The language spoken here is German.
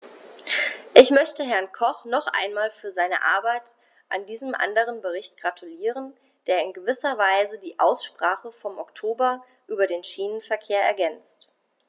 Ich möchte Herrn Koch noch einmal für seine Arbeit an diesem anderen Bericht gratulieren, der in gewisser Weise die Aussprache vom Oktober über den Schienenverkehr ergänzt.